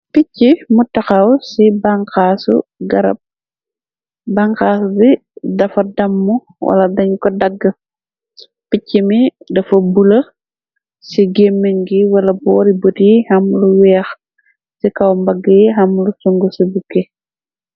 Pichi mu taxaw ci rab banxaas bi dafa damm wala dañu ko dàgg. Pichi mi dafa bulë ci géme gi wala boori but yi xam lu weex. Ci kaw mbagg yi xam lu sung ci bukke.